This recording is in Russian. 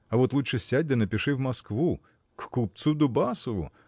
а вот лучше сядь да напиши в Москву к купцу Дубасову